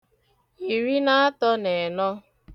ìri na atọ̄ nà ẹ̀nọ